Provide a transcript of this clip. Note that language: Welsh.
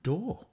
Do.